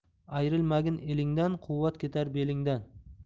ayrilmagin elingdan quvvat ketar belingdan